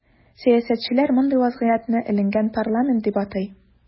Сәясәтчеләр мондый вазгыятне “эленгән парламент” дип атый.